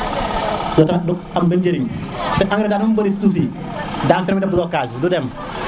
du tax du am ben njëriñ se engrais dal lu bëri suuf si da am ferme de blocage du dem